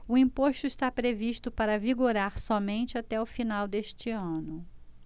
o imposto está previsto para vigorar somente até o final deste ano